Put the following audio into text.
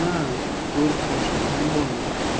bo'lma go'r qo'shni ham bo'lma